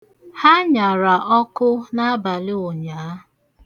Ha nyara ọkụ n'abalị ụnyaa.